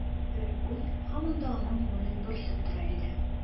Бер уй һаман да аның күңелен борчып тора иде.